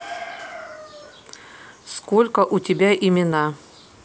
сколько у тебя имена